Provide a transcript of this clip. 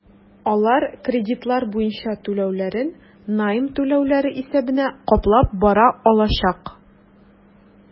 Алар кредитлар буенча түләүләрен найм түләүләре исәбенә каплап бара алачак.